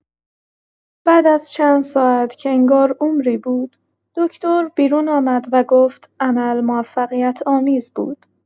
بعد از چند ساعت که انگار عمری بود، دکتر بیرون آمد و گفت عمل موفقیت‌آمیز بود.